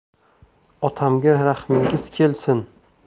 otamga rahmingiz kelsin